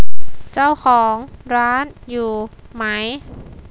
เจ้าของร้านอยู่ไหม